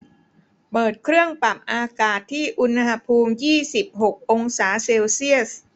เปิดเครื่องปรับอากาศที่อุณหภูมิยี่สิบหกองศาเซลเซียส